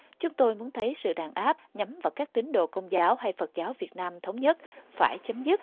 chúng tôi muốn thấy sự đàn áp nhắm vào các tín đồ công giáo hay phật giáo việt nam thống nhất phải chấm dứt